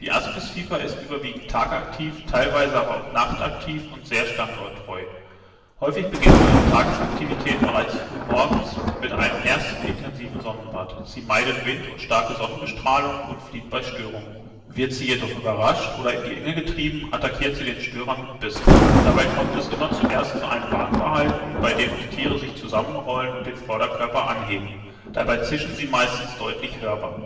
Aspisviper ist überwiegend tagaktiv, teilweise aber auch nachtaktiv und sehr standorttreu. Häufig beginnt sie ihre Tagesaktivität bereits früh morgens mit einem ersten intensiven Sonnenbad. Sie meidet Wind und starke Sonnenbestrahlung und flieht bei Störungen. Wird sie jedoch überrascht oder in die Enge getrieben, attackiert sie den Störer mit Bissen. Dabei kommt es immer zuerst zu einem Warnverhalten, bei dem die Tiere sich zusammenrollen und den Vorderkörper anheben. Dabei zischen sie meistens deutlich hörbar